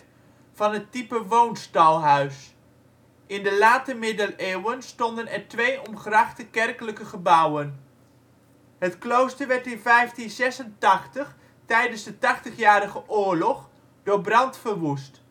van het type woonstalhuis. In de late middeleeuwen stonden er twee omgrachte kerkelijke gebouwen. Het klooster werd in 1586 tijdens de Tachtigjarige Oorlog door brand verwoest